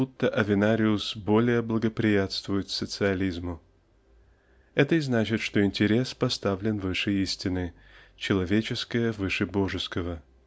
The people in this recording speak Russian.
будто Авенариус более благоприятствует социализму. Это и значит что интерес поставлен выше истины человеческое выше божеского.